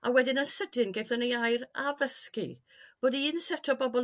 A wedyn yn sydyn gethon ni addysgu bod un set o bobol